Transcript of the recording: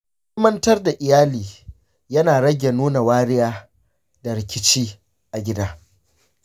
ilimantar da iyali yana rage nuna wariya da rikici a gida.